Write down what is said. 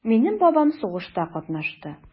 Минем бабам сугышта катнашты.